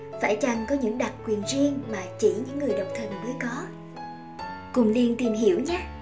phải chăng có những đặc quyền riêng mà chỉ những người độc thân mới có cùng liên tìm hiểu nhé